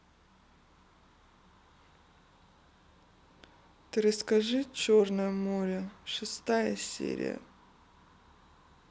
ты расскажи черное море шестая серия